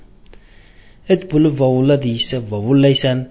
it bulib vovulla deyishsa vovullaysan